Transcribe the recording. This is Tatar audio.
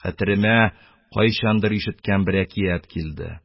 Хәтеремә кайчандыр ишеткән бер әкият килде.